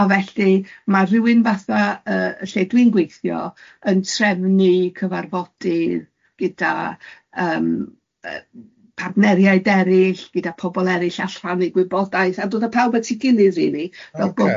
a felly ma' rywun fatha yy lle dwi'n gweithio yn trefnu cyfarfodydd gyda yym partneriaid eraill gyda pobl eraill allan neu gwybodaeth a doedd y pawb at ei gilydd rili fel bod... Oce.